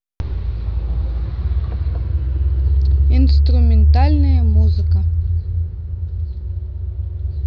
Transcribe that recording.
инструментальная музыка